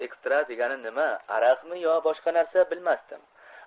ekstra degani nima aroqmi yo boshqa narsa bilmasdim